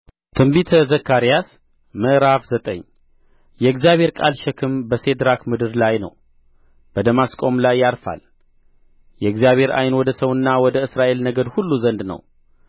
ትንቢተ ዘካርያስ ምዕራፍ ዘጠኝ የእግዚአብሔር ቃል ሸክም በሴድራክ ምድር ላይ ነው በደማስቆም ላይ ያርፋል የእግዚአብሔር ዓይን ወደ ሰውና ወደ እስራኤል ነገድ ሁሉ ዘንድ ነው